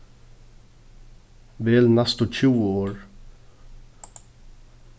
vel næstu tjúgu orð